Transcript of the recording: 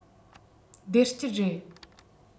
བདེ སྐྱིད རེད